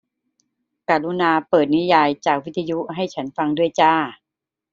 กรุณาเปิดนิยามจากวิทยุให้ฉันฟังด้วยจ้า